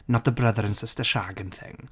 Not the brother and sister shagging thing.